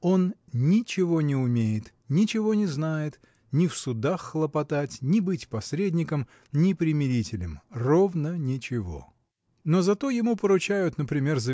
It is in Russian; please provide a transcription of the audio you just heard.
он ничего не умеет, ничего не знает ни в судах хлопотать ни быть посредником ни примирителем – ровно ничего. Но зато ему поручают например